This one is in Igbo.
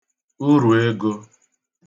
urùegō